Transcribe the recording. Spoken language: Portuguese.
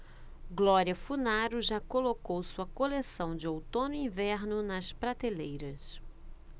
glória funaro já colocou sua coleção de outono-inverno nas prateleiras